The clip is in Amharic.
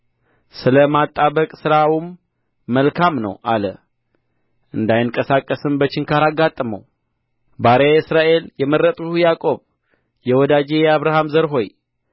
ስለ ማጣበቅ ሥራውም መልካም ነው አለ እንዳይንቀሳቀስም በችንካር አጋጠመው ባሪያዬ እስራኤል የመረጥሁህ ያዕቆብ የወዳጄ የአብርሃም ዘር ሆይ